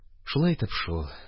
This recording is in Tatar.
Шулай итеп шул,